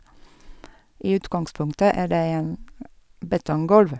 I utgangspunktet er det en betonggolv.